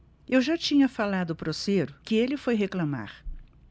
eu já tinha falado pro ciro que ele foi reclamar